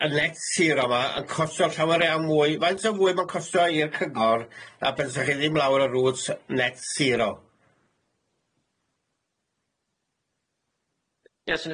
y net sero ma yn costo llawer iawn mwy faint o fwy ma'n costo i'r cygor na bysach chi ddim lawr y rwt net sero?